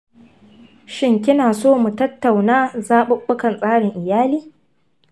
shin kina so mu tattauna zaɓuɓɓukan tsarin iyali?